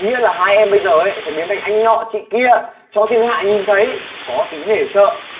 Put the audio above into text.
nghĩa là hai em bây giờ ý phải biến thành anh nọ chị kia cho thiên hạ nhìn thấy có tí nể sợ